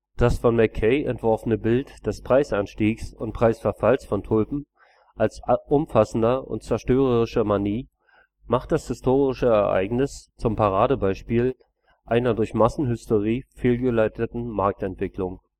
Das von Mackay entworfene Bild des Preisanstiegs und Preisverfalls von Tulpen als umfassender und zerstörerischer Manie macht das historische Ereignis zum Paradebeispiel einer durch Massenhysterie fehlgeleiteten Marktentwicklung